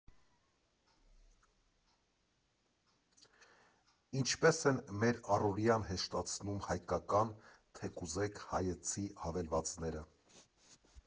Ինչպես են մեր առօրյան հեշտացնում հայկական, թե կուզեք՝ հայեցի հավելվածները։